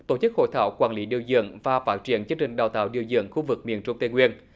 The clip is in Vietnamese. tổ chức hội thảo quản lý điều dưỡng và phát triển chương trình đào tạo điều dưỡng khu vực miền trung tây nguyên